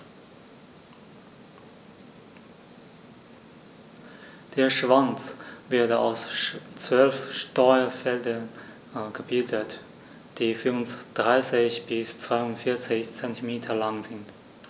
Der Schwanz wird aus 12 Steuerfedern gebildet, die 34 bis 42 cm lang sind.